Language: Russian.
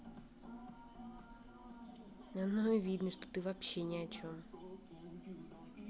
оно и видно что ты вообще ни о чем